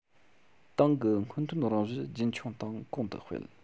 ཏང གི སྔོན ཐོན རང བཞིན རྒྱུན འཁྱོངས དང གོང དུ སྤེལ